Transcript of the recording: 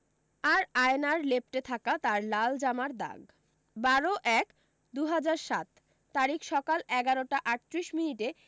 আর আয়নার লেপটে থাকে তার লাল জামার দাগ বারো এক দু হাজার সাত তারিখ সকাল এগারোটা আটত্রিশ মিনিটে